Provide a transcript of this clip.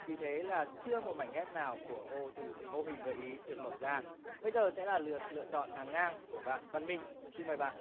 vì thế là chưa một mảnh ghép nào của ô từ ô hình gợi ý được mở ra bây giờ sẽ là lượt lựa chọn hàng ngang của bạn văn minh xin mời bạn